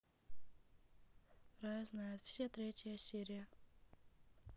рая знает все третья серия